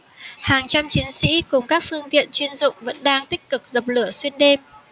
hàng trăm chiến sĩ cùng các phương tiện chuyên dụng vẫn đang tích cực dập lửa xuyên đêm